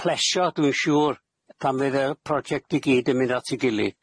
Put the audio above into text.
plesio dwi'n siŵr, pan fydd y project i gyd yn mynd at ei gili.